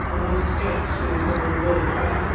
Ond oedd sgert chdi ddim yn cael bod yn fyr chwaith.